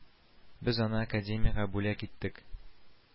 Без аны Академиягә бүләк иттек